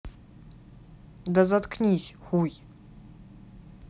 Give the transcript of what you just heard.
да заткнись хуй